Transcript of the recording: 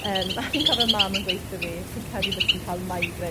Yym a fi'n cofio mam yn gweuthio fi fi'n credu bod ti'n ca'l migraine...